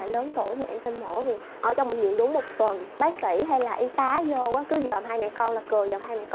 lại lớn tuổi mẹ em sinh mổ thì ở trong bệnh viện đúng một tuần bác sĩ hay là y tá dô á cứ dòm hai mẹ con là cười dòm hai mẹ